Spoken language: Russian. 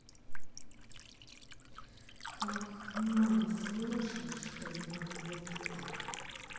как мама слушай что я могу вот так